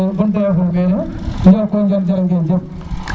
ndjoko djal jërë ngen jëf= wolof